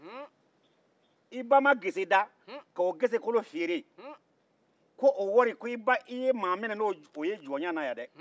i ba ma gese da k'o gesekolo feere ko i ye maa minɛ n'o wari ye jɔnya la yan dɛ